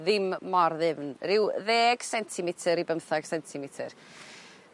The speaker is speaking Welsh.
ddim mor ddyfn ryw ddeg centimeter i bemthag centimeter.